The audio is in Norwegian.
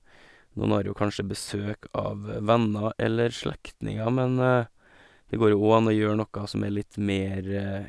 Noen har jo kanskje besøk av venner eller slektninger, men det går jo óg an å gjøre noe som er litt mer...